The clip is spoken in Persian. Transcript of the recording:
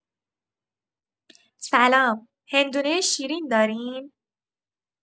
سلام، هندونه شیرین دارین؟